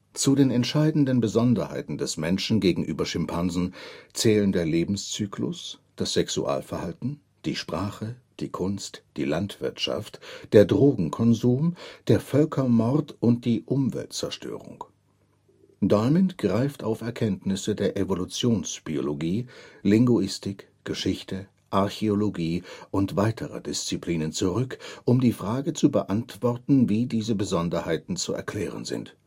Zu den entscheidenden Besonderheiten des Menschen gegenüber Schimpansen zählen der Lebenszyklus, das Sexualverhalten, die Sprache, die Kunst, die Landwirtschaft, der Drogenkonsum, der Völkermord und die Umweltzerstörung. Diamond greift auf Erkenntnisse der Evolutionsbiologie, Linguistik, Geschichte, Archäologie und weiterer Disziplinen zurück, um die Frage zu beantworten, wie diese Besonderheiten zu erklären sind